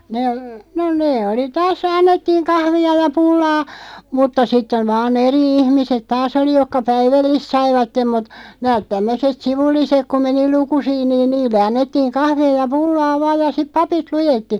ne no ne oli taas annettiin kahvia ja pullaa mutta sitten vain eri ihmiset taas oli jotka päivällistä saivat mutta nämä tämmöiset sivulliset kun meni lukusiin niin niille annettiin kahvia ja pullaa vain ja sitten papit luetti